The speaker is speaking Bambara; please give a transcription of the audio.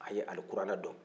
a ye alikuranɛ don